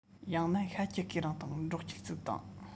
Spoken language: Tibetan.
ཡང ན ཤྭ ཁྱི སྐེད རིང དང འབྲོག ཁྱིལ གཟིགས དང